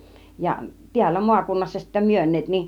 ja täällä maakunnassa sitten myyneet niin